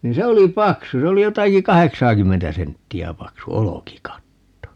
niin se oli paksu se oli jotakin kahdeksaakymmentä senttiä paksu olkikatto